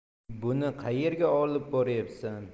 buni qayerga olib boryapsan